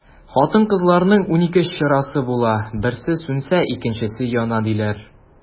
Хатын-кызларның унике чырасы була, берсе сүнсә, икенчесе яна, диләр.